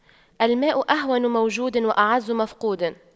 الماء أهون موجود وأعز مفقود